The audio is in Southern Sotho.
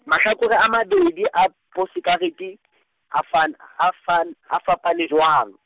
mahlakore a mabedi, a posekarete , a fan- a fan- a fapane jwang?